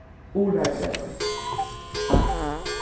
urðarvegur